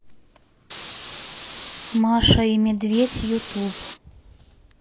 маша и медведь ютуб